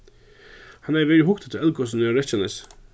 hann hevur verið og hugt eftir eldgosinum á reykjanesi